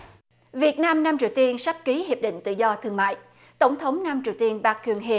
việt nam nam triều tiên sắp ký hiệp định tự do thương mại tổng thống nam triều tiên ba cun hê